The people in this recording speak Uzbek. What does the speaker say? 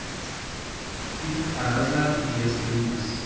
it arazlar egasi bilmas